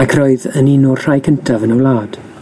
ac roedd yn un o'r rhai cyntaf yn y wlad.